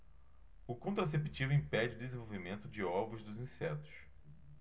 o contraceptivo impede o desenvolvimento de ovos dos insetos